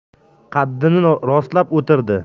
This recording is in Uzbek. qaddini rostlab utirdi